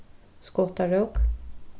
skotarók